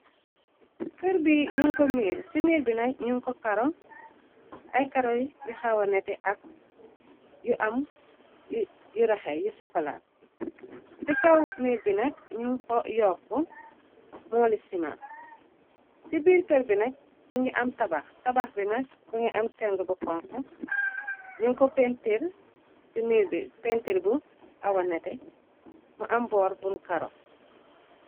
Kerr bi ñu ko miir, ci miir bi nak ñuñ ko karo ay karo yu xawanete ak yu am yu raxe yu sokola. Ci kaw miir bi nakk ñu ko yokku mooli sima, ci biir kër bi nak mun ngi am tabax. Tabax bi nakk bu ngi am seng bu xonku, ñu ko pentirr ci miir pentir bu xawanete, mu am boor bun karo.